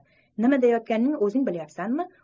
nima deyayotganingni o'zing bilasanmi